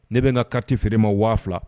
Ne bɛ n ka kati feere ma waaula